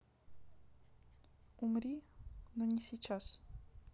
умри но не сейчас